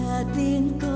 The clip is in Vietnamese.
và tiếng